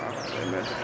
day métti de